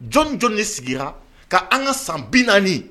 Jɔn jɔnni sigira ka an ka san bi naani